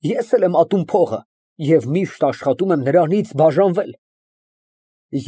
Ես էլ եմ ատում փողը և միշտ աշխատում եմ նրանից բաժանվել։